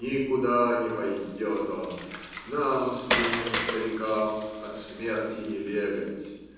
Никуда не пойдет он: нам с ним, старикам, от смерти не бегать.